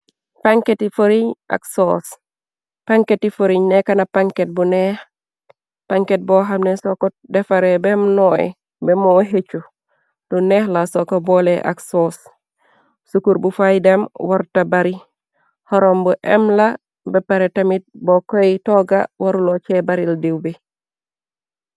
Panketi foriñ ak soors. Panketi foriñ neekana panket bu neex panket boo xamne so ko defare bem nooy bemoo hëccu lu neex la soko boole ak soos sukur bu fay dem warta bari xorom bu em la beppare tamit boo koy tooga warulo ce baril diiw bi.